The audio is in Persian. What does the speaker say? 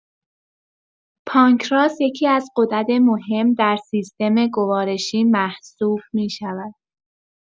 پانکراس یکی‌از غدد مهم در سیستم گوارشی محسوب می‌شود.